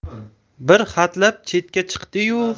bir hatlab chetga chiqdi yu